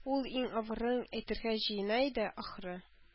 Ул иң авырын әйтергә җыена иде, ахры